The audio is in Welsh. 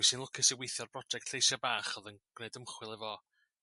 Fu 'si'n lwcus i weithio'r broject lleisia' bach o'dd yn g'neud ymchwil efo